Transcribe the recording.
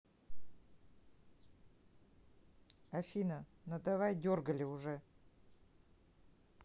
афина на давай дергали уже